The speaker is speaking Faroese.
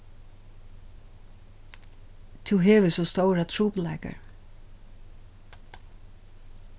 tú hevur so stórar trupulleikar